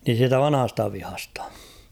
niin siitä - vanhasta vihasta